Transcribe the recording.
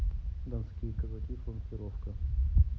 донские казаки фланкировка